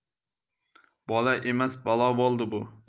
bola emas balo bo'ldi bu